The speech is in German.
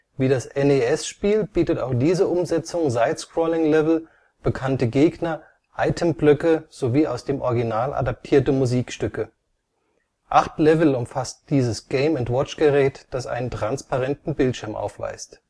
Wie das NES-Spiel bietet auch diese Umsetzung Side-Scrolling-Level, bekannte Gegner, Itemblöcke sowie aus dem Original adaptierte Musikstücke. Acht Level umfasst dieses Game -&- Watch-Gerät, das einen transparenten Bildschirm aufweist